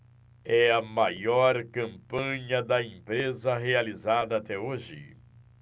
é a maior campanha da empresa realizada até hoje